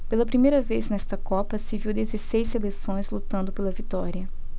pela primeira vez nesta copa se viu dezesseis seleções lutando pela vitória